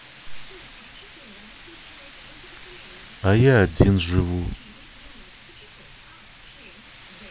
а я один живу